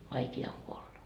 vaikea on kuolla